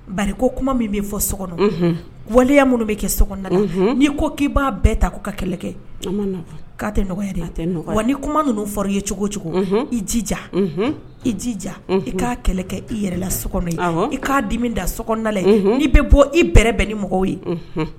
Bari ko kuma min bɛ fɔ so kɔnɔ waya minnu bɛ kɛ soda n'i ko k'i b'a bɛɛ ta ko ka kɛlɛkɛ k' tɛ nɔgɔya wa ni kuma ninnu fɔra ye cogo cogo i jija i jija i k' kɛlɛ kɛ i yɛrɛla so kɔnɔ ye i k'a dimi da sodalɛ i bɛ bɔ i bɛrɛ bɛn ni mɔgɔw ye